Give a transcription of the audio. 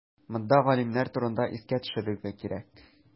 Монда галимнәр турында искә төшерергә кирәк.